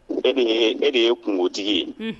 E de ye, e de ye kungotigi ye, unhunn